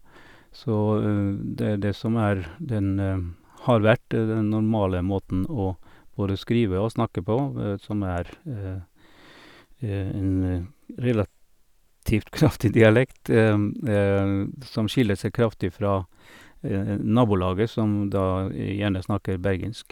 Så det er det som er den har vært den normale måten å både skrive og snakke på, som er en relativt kraftig dialekt, som skiller seg kraftig fra nabolaget, som da gjerne snakker bergensk.